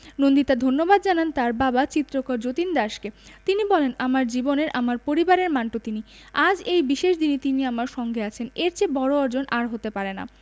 নন্দিতা ধন্যবাদ জানান তার বাবা চিত্রকর যতীন দাসকে তিনি বলেন আমার জীবনের আমার পরিবারের মান্টো তিনি আজ এই বিশেষ দিনে তিনি আমার সঙ্গে আছেন এর চেয়ে বড় অর্জন আর হতে পারে না